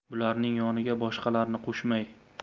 bularning yoniga boshqalarni qo'shmay